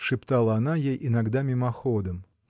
— шептала она ей иногда мимоходом.